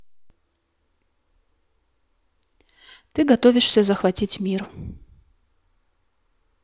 ты готовишься захватить мир